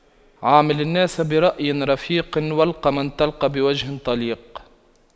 عامل الناس برأي رفيق والق من تلقى بوجه طليق